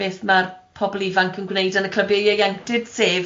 beth ma'r pobl ifanc yn gwneud yn y clybie ieuenctid, sef eu